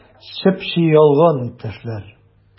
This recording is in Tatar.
Чеп-чи ялган, иптәшләр!